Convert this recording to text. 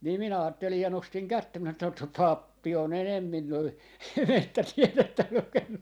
niin minä ajattelin ja nostin kättä minä sanoin että sot sot pappi on enemmin noin metsätiedettä lukenut